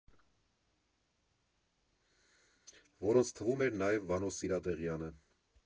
Որոնց թվում էր նաև Վանո Սիրադեղյանը։